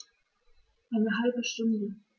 Eine halbe Stunde